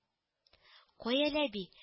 Каяле, әби